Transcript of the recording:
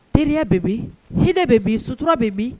Terieliya bɛ bi h hinɛ bɛ bi sutura bɛ bi